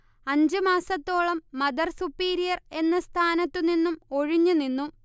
അഞ്ച് മാസത്തോളം mother superior എന്ന സ്ഥാനത്തു നിന്നും ഒഴിഞ്ഞു നിന്നു